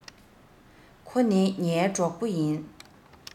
ཁོ ནི ངའི གྲོགས པོ ཡིན